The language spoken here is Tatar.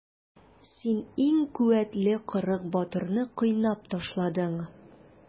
Син иң куәтле кырык батырны кыйнап ташладың.